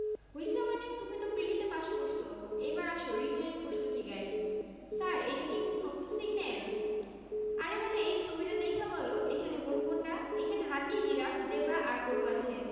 হইছে মানে তুমি তো প্রিলিতে পাস করছ এইবার আসো রিটেনের প্রশ্ন জিগাই... ছার এইডা কি কুনো নতুন সিগনেল আরে ব্যাটা এই ছবিডা দেইখা বলো এইখানে গরু কোনডা এইখানে হাতি জিরাফ জেব্রা আর গরু আছে